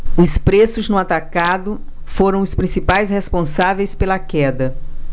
os preços no atacado foram os principais responsáveis pela queda